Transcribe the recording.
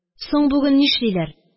– соң, бүген нишлиләр